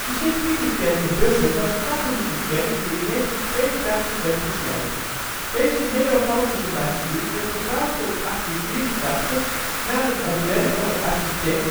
Sint-Vituskerk in Bussum was een katholieke kerk die in 1982 werd gesloten. Deze neogotische basiliek werd gebouwd rond 1884 naar een ontwerp van architect